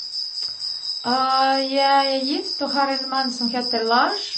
Jeg er gift og har en mann som heter Lars.